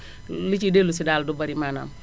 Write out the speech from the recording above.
lu ciy dellusi daal du bari maanaam